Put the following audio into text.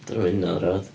Dyn nhw'm hynna rhad.